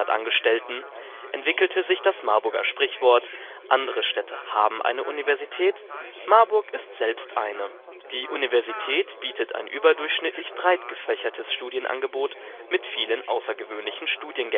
Angestellte) entwickelte sich das Marburger Sprichwort: " Andere Städte haben eine Universität, Marburg ist selbst eine ". Die Universität bietet ein überdurchschnittlich breit gefächertes Studienangebot mit vielen außergewöhnlichen Studiengängen